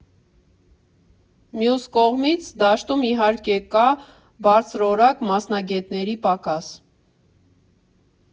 Մյուս կողմից՝ դաշտում իհարկե կա բարձրորակ մասնագետների պակաս։